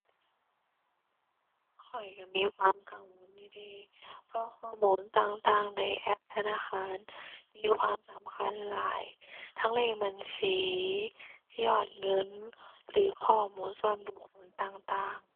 ข้อยก็มีความกังวลอยู่เดะ เพราะข้อมูลต่างต่างในแอปธนาคารมีความสำคัญหลาย ทั้งเลขบัญชี ยอดเงิน หรือข้อมูลส่วนบุคคลต่างต่าง